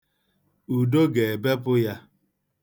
Udo ga-ebepụ ya.